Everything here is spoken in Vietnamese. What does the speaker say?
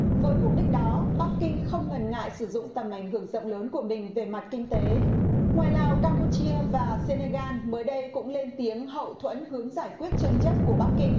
với mục đích đó bắc kinh không ngần ngại sử dụng tầm ảnh hưởng rộng lớn của mình về mặt kinh tế ngoài lào cam pu chia và sê nê gan mới đây cũng lên tiếng hậu thuẫn hướng giải quyết tranh chấp của bắc kinh